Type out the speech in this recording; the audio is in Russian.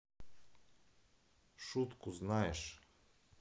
шутку знаешь